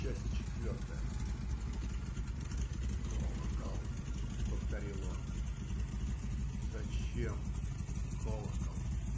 Часть четвертая. - Колокол! - повторил он. - Зачем колокол?